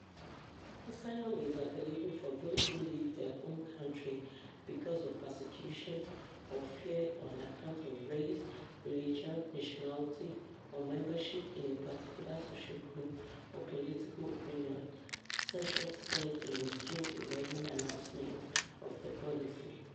"Asylum is available for those who leave their home country because of persecution or fear on account of race, religion, nationality, or membership in a particular social group or political opinion," Sessions said in his June 11 announcement of the policy.